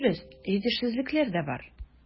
Дөрес, җитешсезлекләр дә бар.